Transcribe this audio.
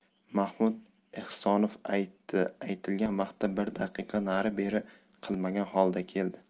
mahmud ehsonov ayni aytilgan vaqtda bir daqiqa nari beri qilmagan holda keldi